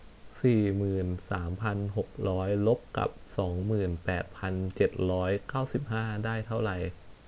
สี่หมื่นสามพันหกร้อยลบกับสองหมื่นแปดพันเจ็ดร้อยเก้าสิบห้าได้เท่าไร